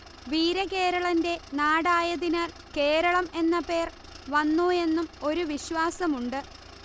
വീരകേരളന്റെ നാടായതിനാൽ കേരളം എന്ന പേർ വന്നു എന്നും ഒരു വിശ്വാസമുണ്ട്